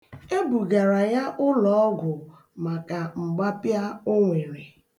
E bugara ya ụlọọgwụ maka mgbapịa o nwere .